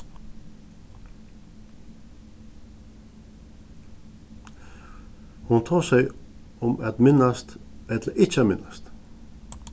hon tosaði um at minnast ella ikki at minnast